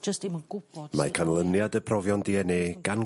Jyst dim yn gwbod... Mae canlyniad y profion Dee En Ay gan...